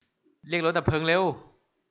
เรียกรถดับเพลิงเร็ว